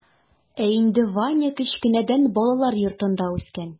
Ә инде ваня кечкенәдән балалар йортында үскән.